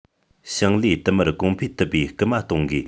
ཞིང ལས བསྟུད མར གོང འཕེལ ཐུབ པའི སྐུལ མ གཏོང དགོས